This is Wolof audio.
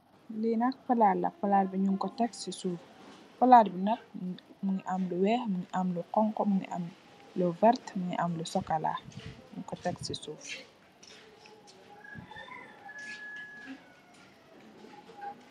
Li nak palaat la, palaat bi nung ko tekk ci suuf. Palaat bi nak mungi am lu weeh, am lu honku, am lu vert, am lu sokola. nung ko tekk ci suuf.